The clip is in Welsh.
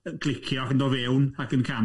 ... yn clicio ac yn dod fewn ac yn canu.